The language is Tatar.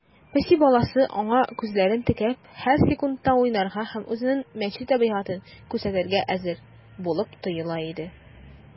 Песи баласы, аңа күзләрен текәп, һәр секундта уйнарга һәм үзенең мәче табигатен күрсәтергә әзер булып тоела иде.